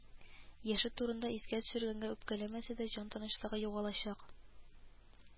Яше турында искә төшергәнгә үпкәләмәсә дә, җан тынычлыгы югалачак